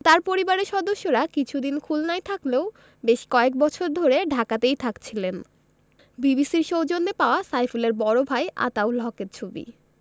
তাঁর পরিবারের সদস্যরা কিছুদিন খুলনায় থাকলেও বেশ কয়েক বছর ধরে ঢাকাতেই থাকছিলেন বিবিসির সৌজন্যে পাওয়া সাইফুলের বড় ভাই আতাউল হকের ছবি